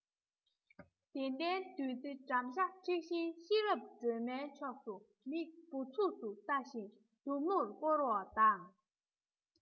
བདེ ལྡན བདུད རྩི འགྲམ ཤ འཁྲིགས ཤིང ཤེས རབ སྒྲོལ མའི ཕྱོགས སུ མིག འབུར ཚུགས སུ ལྟ བཞིན མཛུབ མོར བསྐོར བ དང